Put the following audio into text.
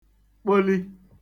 kpoli